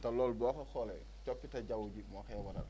te loolu boo ko xoolee coppite jaww ji moo koy waral